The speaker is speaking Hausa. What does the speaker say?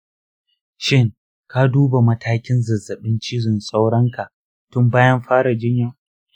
shin ka duba matakin zazzabin cizon sauronka tun bayan fara jinya?